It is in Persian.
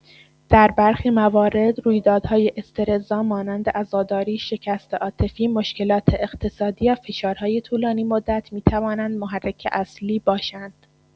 در برخی موارد رویدادهای استرس‌زا مانند عزاداری، شکست عاطفی، مشکلات اقتصادی یا فشارهای طولانی‌مدت می‌توانند محرک اصلی باشند.